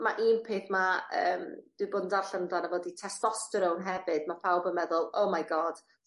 ma' un peth ma' yym dwi 'di bod yn darllen amdano fo 'di testosteron hefyd ma' pawb yn meddwl oh my god